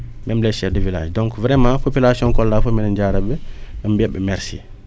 même les chefs de village donc vraiment population Kolda